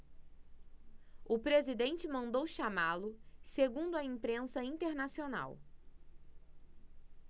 o presidente mandou chamá-lo segundo a imprensa internacional